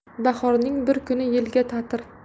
bahorning bir kuni yilga tatir